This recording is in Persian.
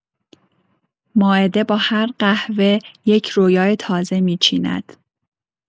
مائده با هر قهوه یک رویای تازه می‌چیند.